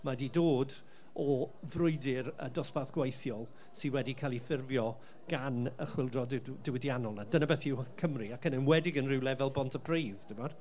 Mae 'di dod o frwydr y dosbarth gweithiol sy wedi cael ei ffurfio gan y Chwyldro di- diw Diwydiannol 'na. Dyna beth yw Cymru, ac yn enwedig yn rywle fel Pontypridd timod.